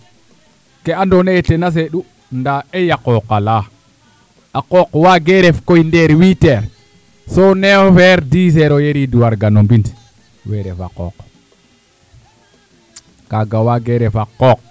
kee andoona yee ten a seeɗu ndaa ey a qooq alaa a qooq waagee ref koy ndeer huit heure so vers dix heure o yiriid warga no mbind wee ref a qooq kaaga waagee ref a qooq